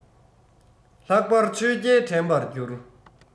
ལྷག པར ཆོས རྒྱལ དྲན པར འགྱུར